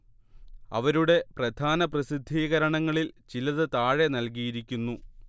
അവരുടെ പ്രധാന പ്രസിദ്ധീകരണങ്ങളിൽ ചിലത് താഴെ നൽകിയിരിക്കുന്നു